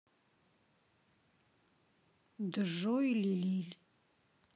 джой лилий